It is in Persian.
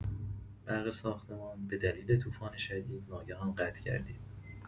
برق ساختمان به دلیل طوفان شدید ناگهان قظع گردید.